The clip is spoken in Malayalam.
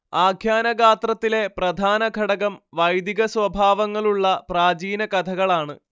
ആഖ്യാനഗാത്രത്തിലെ പ്രധാനഘടകം വൈദികസ്വഭാവങ്ങളുള്ള പ്രാചീനകഥകളാണ്